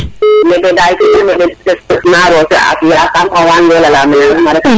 mene dal fi uma den tostos na rose a xafa mbela la mene ref ma ref